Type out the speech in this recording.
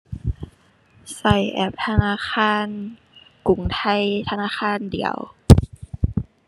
ใช้แอปธนาคารกรุงไทยธนาคารเดียว